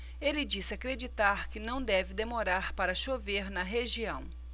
ele disse acreditar que não deve demorar para chover na região